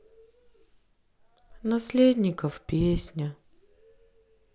наследников песня